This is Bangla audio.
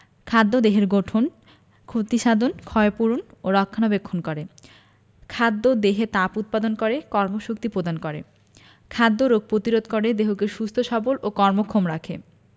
১. খাদ্য দেহের গঠন বৃদ্ধিসাধন ক্ষয়পূরণ ও রক্ষণাবেক্ষণ করে ২. খাদ্য দেহে তাপ উৎপাদন করে কর্মশক্তি প্রদান করে ৩. খাদ্য রোগ প্রতিরোধ করে দেহকে সুস্থ সবল এবং কর্মক্ষম রাখে